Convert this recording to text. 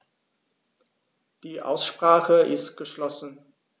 Die Aussprache ist geschlossen.